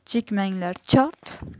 chekmanglar chort